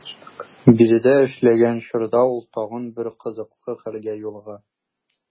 Биредә эшләгән чорда ул тагын бер кызыклы хәлгә юлыга.